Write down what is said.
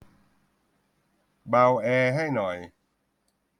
เบาแอร์ให้หน่อย